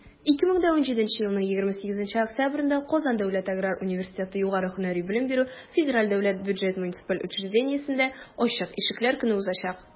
2017 елның 28 октябрендә «казан дәүләт аграр университеты» югары һөнәри белем бирү фдбмусендә ачык ишекләр көне узачак.